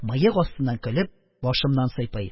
Мыек астыннан көлеп, башымнан сыйпый: